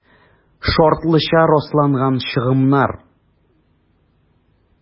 «шартлыча расланган чыгымнар»